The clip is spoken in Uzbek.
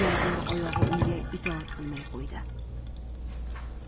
yarador oyog'i unga itoat qilmay qo'ydi